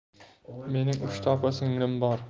mening uchta opa singlim bor